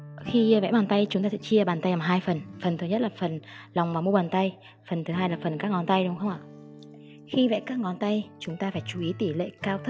khi vẽ bàn tay chúng ta sẽ chia bàn tay ra làm hai phần phần thứ nhất là phần lòng và mu bàn tay phần thứ hai là phần các ngón tay khi vẽ các ngón tay chúng ta phải chú ý tỉ lệ